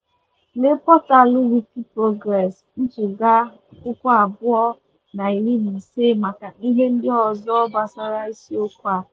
Lee pọtalụ Wikiprogress mpụga-2015 maka ihe ndị ọzọ gbasara isiokwu a.